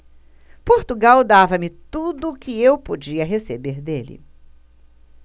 portugal dava-me tudo o que eu podia receber dele